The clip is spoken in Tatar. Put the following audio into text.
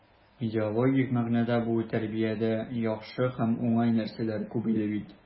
Идеологик мәгънәдә бу тәрбиядә яхшы һәм уңай нәрсәләр күп иде бит.